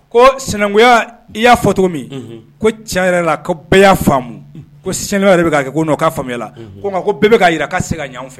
Ko sinankuya i y'a fɔ cogo min ko tiɲɛ yɛrɛ la ko bɛɛ y'a faamumu ko sinan yɛrɛ bɛ kɛ ko'a faamuyala ko ma bɛɛ bɛ'a jira ka segin ka ɲɔgɔn fɛ